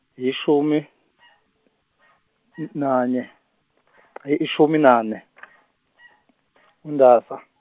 yishumi n- nanye i- ishumi nane kuNdasa.